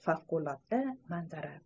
favqulodda manzara